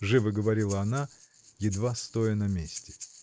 — живо говорила она, едва стоя на месте.